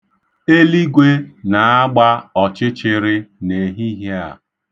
Eligwe na-agba ọchịchịrị n'ehihie a.